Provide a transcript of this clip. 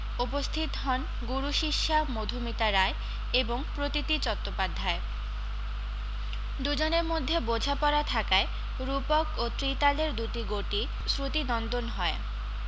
উপস্থিত হন গুরু শিষ্যা মধুমিতা রায় এবং প্রতীতি চট্টোপাধ্যায় দু জনের মধ্যে বোঝাপড়া থাকায় রূপক ও ত্রিতালের দুটি গতি শ্রুতিনন্দন হয়